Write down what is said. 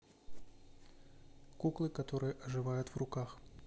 куклы которые оживают в руках